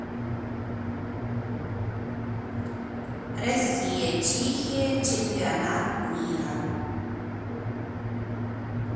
россия чехия чемпионат мира